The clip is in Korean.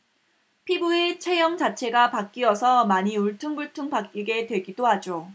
피부의 체형 자체가 바뀌어서 많이 울퉁불퉁 바뀌게 되기도 하죠